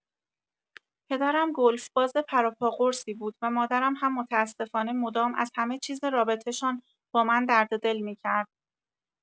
پدرم گلف‌باز پروپاقرصی بود و مادرم هم متاسفانه مدام از همه‌چیز رابطه‌شان با من درددل می‌کرد.